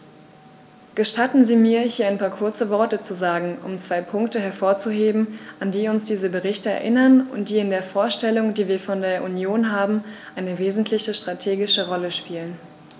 Gestatten Sie mir, hier ein paar kurze Worte zu sagen, um zwei Punkte hervorzuheben, an die uns diese Berichte erinnern und die in der Vorstellung, die wir von der Union haben, eine wesentliche strategische Rolle spielen.